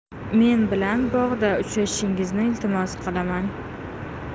men bilan bog'da uchrashingizni iltimos qilaman